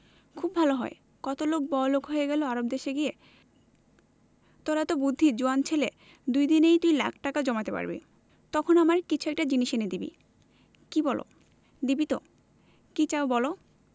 খুব ভালো হয় কত লোক বড়লোক হয়ে গেল আরব দেশে গিয়ে তোর এত বুদ্ধি জোয়ান ছেলে দুদিনেই তুই লাখ টাকা জমাতে পারবি তখন আমার কিছু একটা জিনিস এনে দিবি কি বলো দিবি তো কি চাও বলো